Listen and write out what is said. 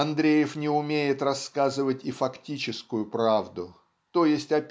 Андреев не умеет рассказывать и фактическую правду, т. е.